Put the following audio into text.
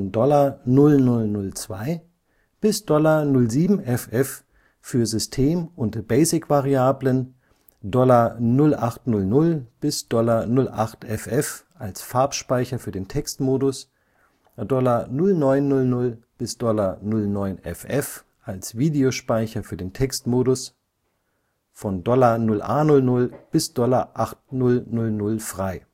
$ 0002 bis $ 07FF für System - und BASIC-Variablen, $ 0800 bis $ 08FF als Farbspeicher für den Textmodus, $ 0900 bis $ 09FF als Videospeicher für den Textmodus, von $ 0A00 bis $8000 frei